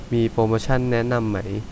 มีโปรโมชั่นแนะนำไหม